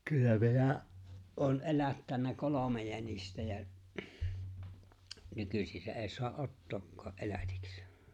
kyllä minä olen elättänyt kolme jänistä ja nykyisinhän ei saa ottaakaan elätiksi